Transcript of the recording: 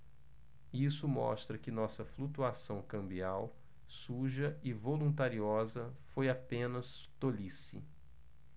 isso mostra que nossa flutuação cambial suja e voluntariosa foi apenas tolice